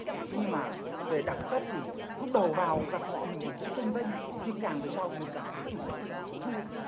thế nhưng mà về đẳng cấp thì lúc đầu vào gặp họ mình còn thấy chênh vênh nhưng càng về sau mình càng thấy tụt xuống thua